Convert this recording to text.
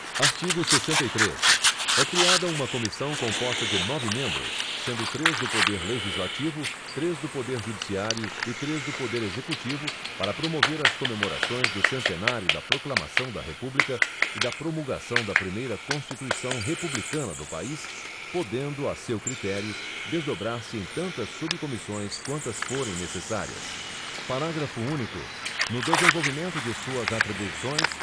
artigo sessenta e três é criada uma comissão composta de nove membros sendo três do poder legislativo três do poder judiciário e três do poder executivo para promover as comemorações do centenário da proclamação da república e da promulgação da primeira constituição republicana do país podendo a seu critério desdobrar se em tantas subcomissões quantas forem necessárias parágrafo único no desenvolvimento de suas atribuições